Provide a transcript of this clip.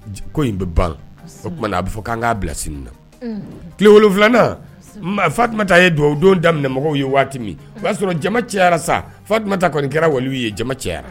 Ko in bɛ ban o tuma a bɛ fɔ k ko' k'a bila sini na tile wolon filanan fatuma ye do don daminɛ mɔgɔw ye waati min o y'a sɔrɔ jama cɛyara sa fatuma kɔni kɛra wali ye jama cɛyara